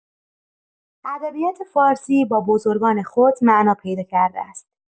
ادبیات فارسی با بزرگان خود معنا پیدا کرده است.